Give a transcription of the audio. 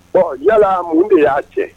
Ɔ yala mun de y'a cɛ